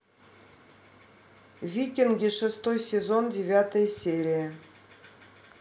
викинги шестой сезон девятая серия